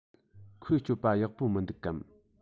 ཁོའི སྤྱོད པ ཡག པོ མི འདུག གམ